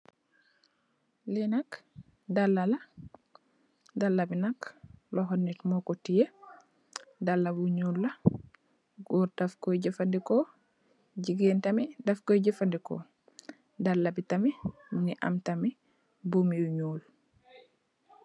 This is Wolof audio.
Li nak dalla la, dalla bi nak loxo nit moko teyeh. Dalla bu ñuul la gór daf koy jafandiko, jigeen tamid daf koy jafandiko. Dalla bi tamid mugii am tamid buum yu ñuul.